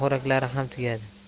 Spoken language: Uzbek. xo'raklari ham tugadi